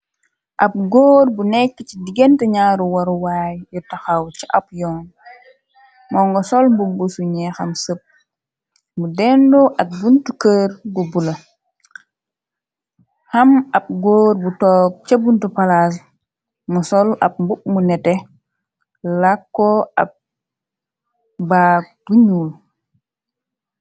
Ab góor bu nekk ci digante ñaaru waruwaay yu taxaw ci ap yoon moo ngo sol mbubbu suñee xam sëp mu dendo ak buntu kër gubbu la xam ab góor bu toog ca buntu palaas mu sol ab mbuk mu nete làkkoo ab baag bu ñyuul.